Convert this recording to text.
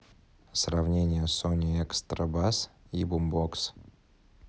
сравнение сони экстра басс и бумбокс